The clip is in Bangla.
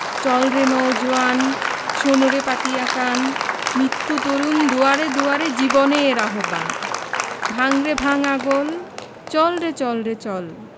চল রে নও জোয়ান শোন রে পাতিয়া কান মৃত্যু তরণ দুয়ারে দুয়ারে জীবনের আহবান ভাঙ রে ভাঙ আগল চল রে চল রে চল